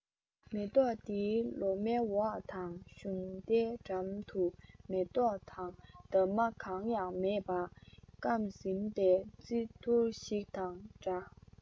མེ ཏོག དེའི ལོ མའི འོག དང གཞུང རྟའི འགྲམ དུ མེ ཏོག དང འདབ མ གང ཡང མེད པ བསྐམས ཟིན པའི རྩི ཐུར ཞིག དང འདྲ